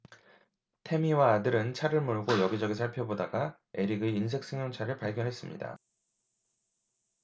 태미와 아들은 차를 몰고 여기 저기 살펴보다가 에릭의 은색 승용차를 발견했습니다